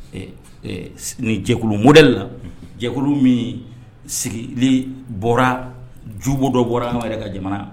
Ee, ee, nin jɛkulu modèle la, unhun, jɛkulu min sigili bɔra jubo dɔ bɔra an yɛrɛ ka jamana